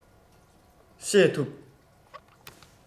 བཤད ཐུབ